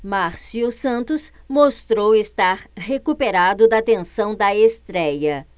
márcio santos mostrou estar recuperado da tensão da estréia